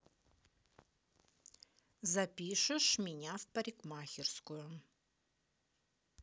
запишешь меня в парикмахерскую